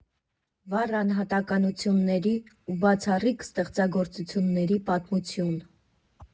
Վառ անհատականությունների ու բացառիկ ստեղծագործությունների պատմություն։